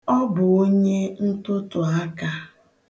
Ọ bụ onye ntụtụaka.